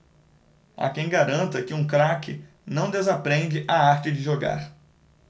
há quem garanta que um craque não desaprende a arte de jogar